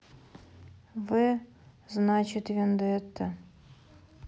в значит вендетта